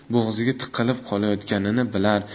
bo'g'ziga tiqilib qolayotganini bilar